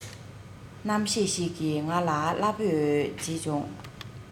རྣམ ཤེས ཤིག གིས ང ལ བླ འབོད བྱེད བྱུང